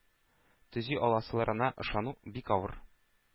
Төзи аласыларына ышану бик авыр.